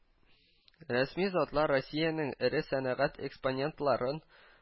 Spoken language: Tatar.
Рәсми затлар Россиянең эре сәнәгать экспонентларын